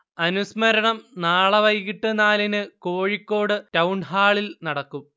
അനുസ്മരണം നാളെ വൈകിട്ട് നാലിന് കോഴിക്കോട് ടൗൺഹാളിൽ നടക്കും